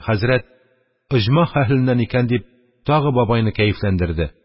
Хәзрәт: – Оҗмах әһеленнән икән, – дип, тагы бабайны кәефләндерде.